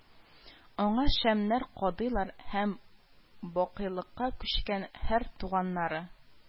Аңа шәмнәр кадыйлар һәм бакыйлыкка күчкән һәр туганнары